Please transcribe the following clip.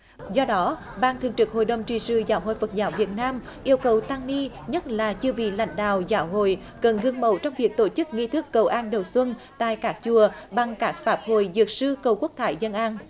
do đó ban thường trực hội đồng trị sự giáo hội phật giáo việt nam yêu cầu tăng ni nhất là chưa vì lãnh đạo giáo hội cần gương mẫu trong việc tổ chức nghi thức cầu an đầu xuân tại các chùa bằng cả pháp hội dược sư cầu quốc thái dân an